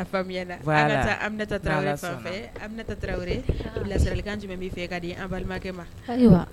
A faamuna , voilà an ka taa Aminata Traore fan fɛ, bilasiralikan jumɛn b'i fɛ k'a di an balimakɛ ma, hayiwa